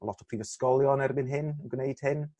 lot o prifysgolion erbyn hyn yn gwneud hyn.